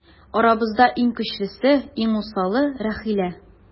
Арабызда иң көчлесе, иң усалы - Рәхилә.